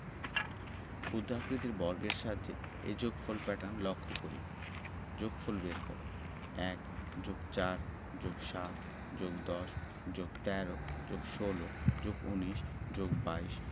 ক্ষুদ্রাকৃতির বর্গের সাহায্যে এই যোগফল প্যাটার্ন লক্ষ করি যোগফল বের করঃ ১+৪+৭+১০+১৩+১৬+১৯+২২